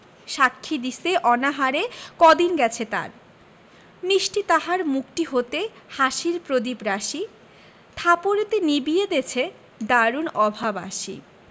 সাক্ষী দিছে অনাহারে কদিন গেছে তার মিষ্টি তাহার মুখটি হতে হাসির প্রদীপ রাশি থাপড়েতে নিবিয়ে দেছে দারুণ অভাব আসি